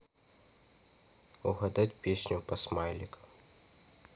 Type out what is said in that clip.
угадать песню по смайликам